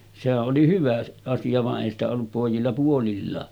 sehän oli hyvä asia vaan ei sitä ollut pojilla puolillaan